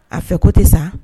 A fɛ ko tɛ sa